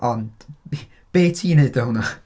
Ond, be ti'n wneud o hwnna?